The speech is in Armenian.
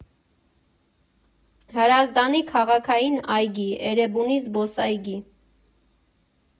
Հրազդանի քաղաքային այգի, Էրեբունի զբոսայգի։